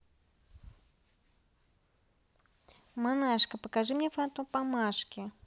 монашка покажи мне фото мамашки